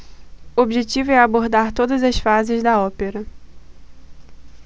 o objetivo é abordar todas as fases da ópera